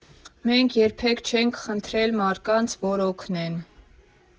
Մենք երբեք չենք խնդրել մարդկանց, որ օգնեն։